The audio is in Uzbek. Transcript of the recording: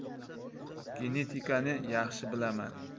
genetikani yaxshi bilaman